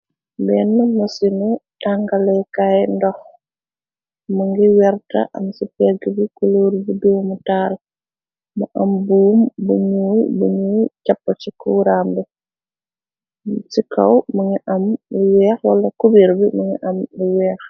Benn mësinu tangalekaay ndox mu ngi werta am ci pegg bi kuluur bu buumu taar mu am buum buñuy capp ci kuramb ci kaw ma ngi am lu weex wala kubiir bi mangi am lu weex.